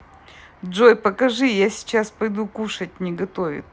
джой покажи я сейчас пойду кушать не готовит